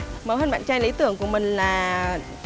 mẫu hình bạn trai lý tưởng của mình là